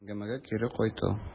Әңгәмәгә кире кайту.